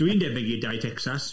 Dwi'n debyg i Dai Tecsas.